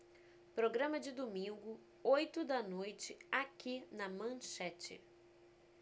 programa de domingo oito da noite aqui na manchete